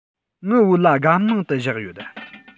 ངའི བོད ལྭ སྒམ ནང དུ བཞག ཡོད